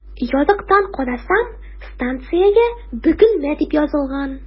Ярыктан карасам, станциягә “Бөгелмә” дип язылган.